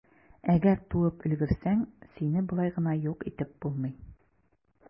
Әгәр туып өлгерсәң, сине болай гына юк итеп булмый.